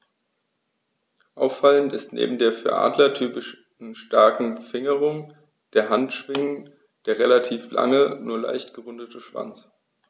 Auffallend ist neben der für Adler typischen starken Fingerung der Handschwingen der relativ lange, nur leicht gerundete Schwanz.